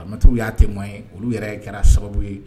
A mɛtiriw y'a temoigner olu yɛrɛ kɛra sababu ye